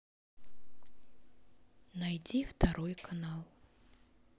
найди второй канал